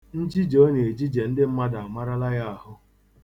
Njije ọ na-ejije ndị mmadụ amarala ya ahụ.